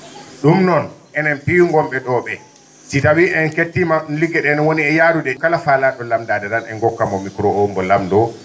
?om noon enen piiw ngon?e ?oo ?ee si tawii en kettiima ligge ?ee no woni e yahrude kala paalaa?o lamndaade tan en ngokkat mbo micro oo mbo lamndoo